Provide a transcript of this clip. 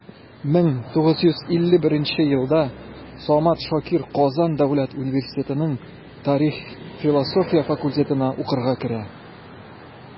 1951 елда самат шакир казан дәүләт университетының тарих-филология факультетына укырга керә.